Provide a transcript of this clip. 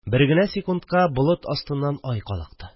Бер генә секундка болыт астыннан ай калыкты